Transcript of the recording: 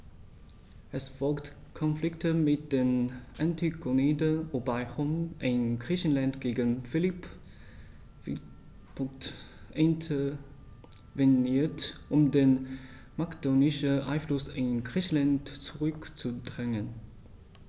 Es folgten Konflikte mit den Antigoniden, wobei Rom in Griechenland gegen Philipp V. intervenierte, um den makedonischen Einfluss in Griechenland zurückzudrängen.